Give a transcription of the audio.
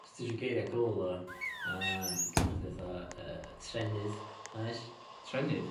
Os ti isio geiria cŵl o yy gynna chdi fatha yy trennydd, nag oes? Trennydd?